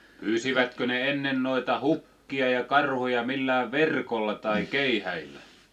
pyysivätkö ne ennen noita hukkia ja karhuja millään verkolla tai keihäillä